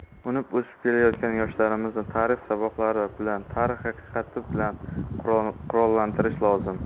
unib o'sib kelayotgan yoshlarimizni tarix saboqlari bilan tarix haqiqati bilan qurollantirish lozim